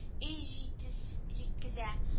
Өй җитез җиткезә